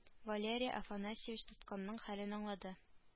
Валерий афанасьевич тоткынның хәлен аңлады